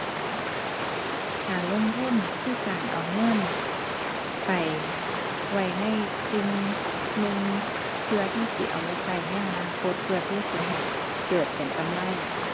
การลงทุนคือการเอาเงินไปไว้ในสิ่งหนึ่ง เพื่อที่สิเอาไว้ใช้ในอนาคต เพื่อที่สิให้เกิดเป็นกำไร